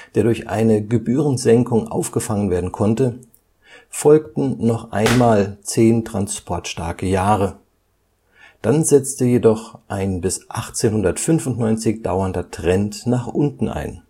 durch eine Gebührensenkung aufgefangen werden konnte, folgten noch einmal zehn transportstarke Jahre, dann setzte jedoch ein bis 1895 dauernder Trend nach unten ein